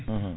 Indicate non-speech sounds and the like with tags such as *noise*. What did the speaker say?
*hesitation* *hesitation*